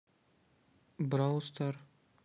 бравл стар